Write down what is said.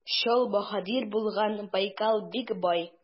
Чал баһадир булган Байкал бик бай.